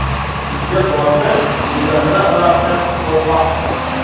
uyda botir begonalar orasida qo'rqoq